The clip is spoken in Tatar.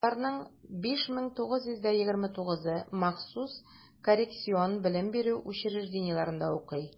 Шуларның 5929-ы махсус коррекцион белем бирү учреждениеләрендә укый.